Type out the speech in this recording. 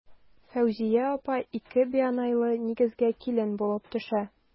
Фәүзия апа ике бианайлы нигезгә килен булып төшә.